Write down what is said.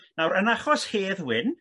Nawr yn achos Hedd Wyn